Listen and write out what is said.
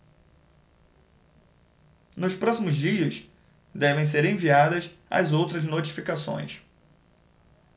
nos próximos dias devem ser enviadas as outras notificações